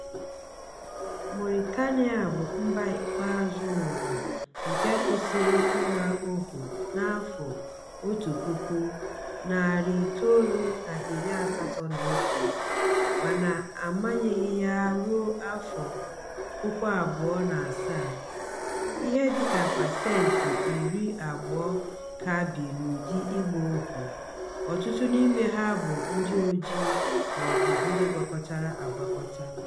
Mauritania bụ mba ikpeazụ n'ụwa nke kwụsịrị ịgba ohu n'afọ 1981 mana a manyeghị ya ruo afọ 2007, ihe dị ka pasentị iri abụọ ka bi n'ụdị ịgba ohu, ọtụtụ n'ime ha bụ ndị ojii ma ọ bụ ndị gwakọtara agwakọta.